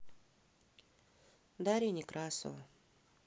дарья некрасова